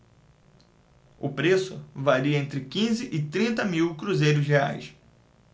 o preço varia entre quinze e trinta mil cruzeiros reais